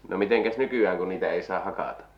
no mitenkäs nykyään kun niitä ei saa hakata